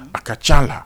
A ka ca la